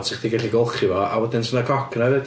a 'sech chdi'n gallu golchi fo a wedyn 'sa 'na cock 'na hefyd.